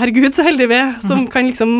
herregud så heldig vi er som kan liksom